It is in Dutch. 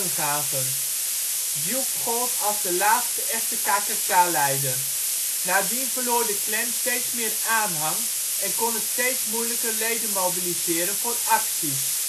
gaven. Duke gold als de laatste echte KKK-leider. Nadien verloor de Klan steeds meer aanhang en kon het steeds moeilijker leden mobiliseren voor acties